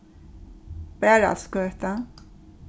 baraldsgøta